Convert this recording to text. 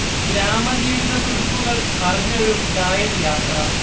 ഗ്രാമജീവിത തുടിപ്പുകൾ അറിഞ്ഞൊരു കായൽ യാത്ര